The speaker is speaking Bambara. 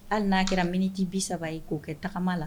Hali n'a kɛrara mti bi saba ye k'o kɛ tagama la